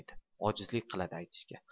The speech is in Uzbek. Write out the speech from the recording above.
ojizlik qiladi aytishga